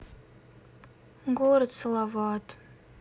город салават